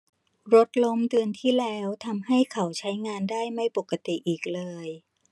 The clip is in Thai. รถล้มเดือนที่แล้วทำให้เข่าใช้งานได้ไม่ปกติอีกเลย